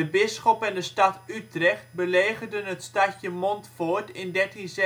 bisschop en de stad Utrecht belegerden het stadje Montfoort in 1387